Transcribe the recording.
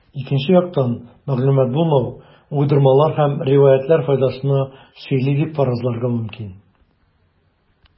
Икенче яктан, мәгълүмат булмау уйдырмалар һәм риваятьләр файдасына сөйли дип фаразларга мөмкин.